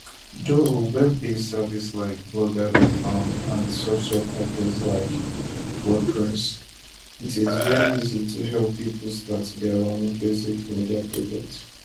Through web-based services like Blogger.com and software packages like WordPress, it's very easy to help people start their own basic media projects.